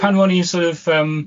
Pan ro'n i'n sor' of yym